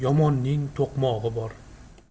yomonning to'qmog'i bor